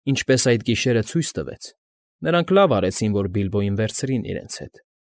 Ինչպես այդ գիշերը ցույց տվեց, նրանք լավ արեցին, որ Բիլբոյին վերցրին իրենց հետ։